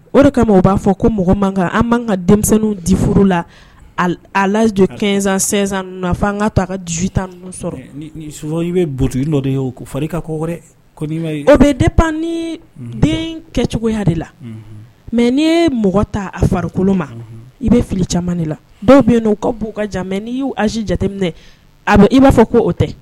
O de kama o b'a fɔ ko mɔgɔ man kan an'an ka denmisɛnnin di furu la az jɔ kɛsansensan na fo an ka to a ka dusu tan sɔrɔ i bɛ ye o ka kɔ o bɛ pan ni den kɛcogoya de la mɛ n'i ye mɔgɔ ta a farikolo ma i bɛ fili caman la dɔw bɛ yen ka b'u ka n'i y'u az jateminɛ a i b'a fɔ ko o tɛ